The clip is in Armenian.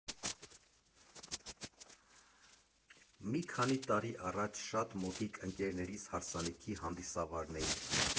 Մի քանի տարի առաջ շատ մոտիկ ընկերներիս հարսանիքի հանդիսավարն էի։